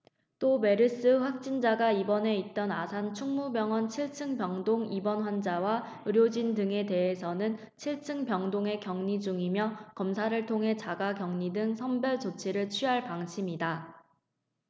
또 메르스 확진자가 입원해 있던 아산충무병원 칠 층 병동 입원 환자와 의료진 등에 대해서는 칠 층 병동에 격리중이며 검사를 통해 자가 격리 등 선별적 조치를 취할 방침이다